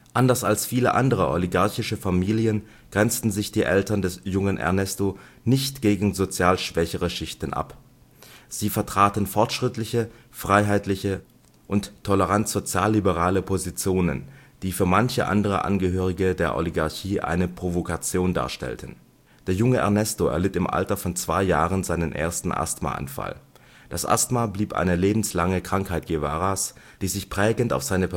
Anders als viele andere oligarchische Familien grenzten sich die Eltern des jungen Ernesto nicht gegen sozial schwächere Schichten ab. Sie vertraten fortschrittliche, freiheitliche und tolerant sozialliberale Positionen, die für manche andere Angehörige der Oligarchie eine Provokation darstellten. Der junge Ernesto erlitt im Alter von 2 Jahren seinen ersten Asthma-Anfall. Das Asthma blieb eine lebenslange Krankheit Guevaras, die sich prägend auf seine